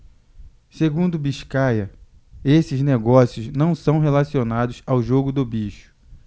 segundo biscaia esses negócios não são relacionados ao jogo do bicho